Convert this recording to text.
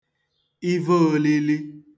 ive ōlīlī